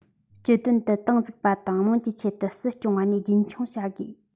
སྤྱི དོན དུ ཏང འཛུགས པ དང དམངས ཀྱི ཆེད དུ སྲིད སྐྱོང བ གཉིས རྒྱུན འཁྱོངས བྱ དགོས